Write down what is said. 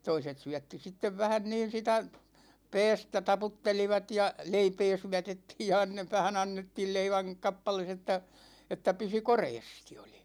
toiset syötti sitten vähän niin sitä päästä taputtelivat ja leipää syötettiin ja - vähän annettiin leivän kappale että että pysyi koreasti oli